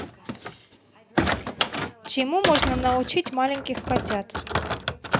чему можно научить маленьких котят